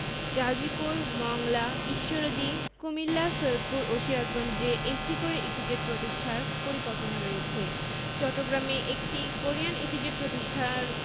গাজীপুর মংলা ঈশ্বরদী কুমিল্লা সৈয়দপুর ও সিরাজগঞ্জে একটি করে ইপিজেড প্রতিষ্ঠার পরিকল্পনা রয়েছে চট্টগ্রামে একটি কোরিয়ান ইপিজেড প্রতিষ্ঠার